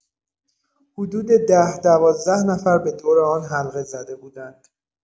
حدود ده، دوازده نفر به دور آن حلقه‌زده بودند.